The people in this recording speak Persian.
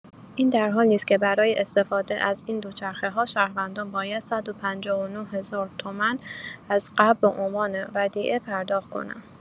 این در حالی است که برای استفاده از این دوچرخه‌ها شهروندان باید ۱۵۹ هزار تومان از قبل به عنوان ودیعه پرداخت کنند.